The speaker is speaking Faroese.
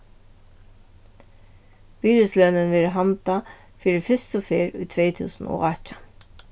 virðislønin verður handað fyri fyrstu ferð í tvey túsund og átjan